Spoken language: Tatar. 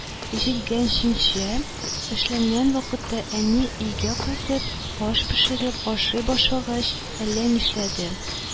Җилгәргечтә эшләгән вакытта, әни, өйгә кайтып, аш пешереп ашый башлагач, әллә нишләде